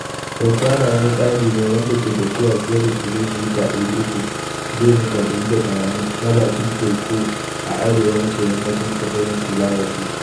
Donggala wani tsari ne wanda ke tafiya fiye da kilomita 300 (kilomita 180) na bakin teku a arewa maso yammacin tsibirin Sulawesi.